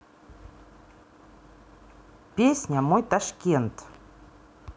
песня мой ташкент